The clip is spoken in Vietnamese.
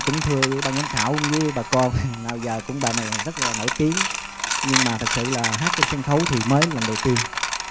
cũng thưa với ban giám khảo với bà con nào giờ cũng bài này rất là nổi tiếng nhưng mà thật sự là hát trên sân khấu thì mới lần đầu tiên